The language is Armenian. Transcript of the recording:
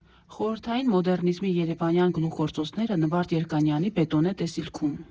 Խորհրդային մոդեռնիզմի երևանյան գլուխգործոցները՝ Նվարդ Երկանյանի «Բետոնե տեսիլքում»։